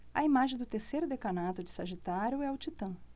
a imagem do terceiro decanato de sagitário é o titã